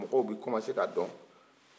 mɔgɔw bi commence ka dɔn